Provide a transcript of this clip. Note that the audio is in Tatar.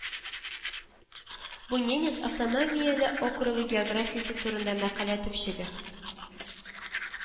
Бу Ненец автономияле округы географиясе турында мәкалә төпчеге